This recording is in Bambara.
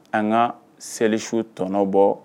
An ka selisu tɔnɔ bɔ